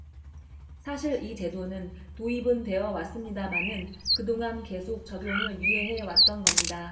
사실 이 제도는 도입은 되어 왔습니다마는 그동안 계속 적용을 유예해 왔던 겁니다